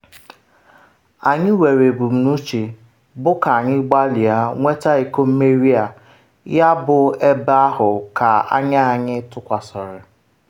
Anyị nwere ebumnuche, bụ ka anyị gbalịa nweta iko mmeri a, ya bụ ebe ahụ ka anya anyị tụkwasara.